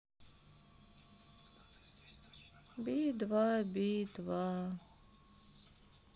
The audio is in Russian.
би два би два